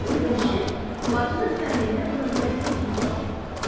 Иң беренче, хатыным Фәһимә турында әйтәсем килә.